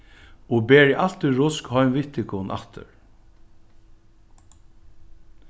og berið altíð rusk heim við tykkum aftur